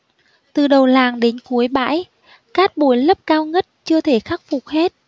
từ đầu làng đến cuối bãi cát bồi lấp cao ngất chưa thể khắc phục hết